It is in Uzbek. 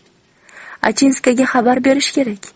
achinskaga xabar berish kerak